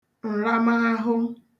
ǹramaahụ